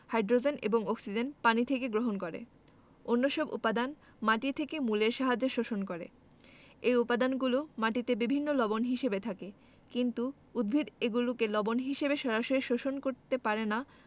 hydrogen এবং oxygen পানি থেকে গ্রহণ করে অন্যসব উপাদান মাটি থেকে মূলের সাহায্যে শোষণ করে এ উপাদানগুলো মাটিতে বিভিন্ন লবণ হিসেবে থাকে কিন্তু উদ্ভিদ এগুলোকে লবণ হিসেবে সরাসরি শোষণ করতে পারে না